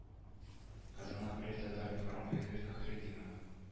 Казан апрель татар-информ айгөл фәхретдинова